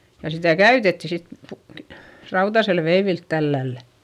ja sitä käytettiin sitten -- rautaisella veivillä tällä lailla